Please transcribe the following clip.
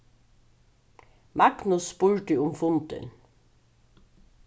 magnus spurdi um fundin